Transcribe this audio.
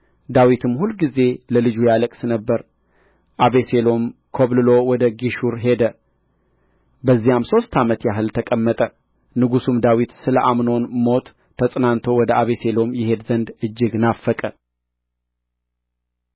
ዳዊትም ሁልጊዜ ለልጁ ያለቅስ ነበር አቤሴሎም ኰብልሎ ወደ ጌሹር ሄደ በዚያም ሦስት ዓመት ያህል ተቀመጠ ንጉሡም ዳዊት ስለ አምኖን ሞት ተጽናንቶ ወደ አቤሴሎም ይሄድ ዘንድ እጅግ ናፈቀ